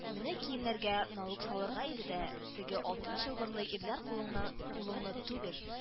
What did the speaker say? Менә кемнәргә налук салырга иде дә, теге алтын чылбырлы ирләр кулыңна кулыңны түгел